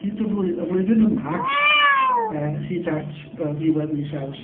Hyd y flwy- y flwyddyn yma yy hyd at yy ddiwedd mis Awst.